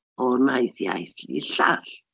O naill iaith i'r llall.